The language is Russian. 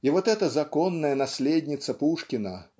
И вот эта законная наследница Пушкина